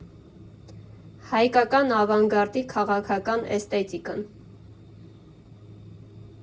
Հայկական ավանգարդի քաղաքական էսթետիկան։